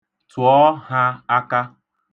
Tụọ ha aka.